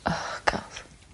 O God.